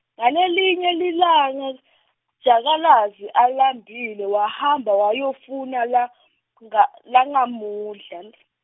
ngalelinye lilanga , jakalazi alambile, wahamba wayofuna lakunga- langamudlal-.